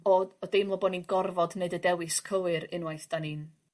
o o deimlo bo' ni'n gorfod neud y dewis cywir unwaith 'dan ni'n